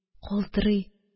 Калтырый